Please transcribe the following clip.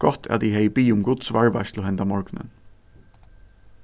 gott at eg hevði biðið um guds varðveitslu hendan morgunin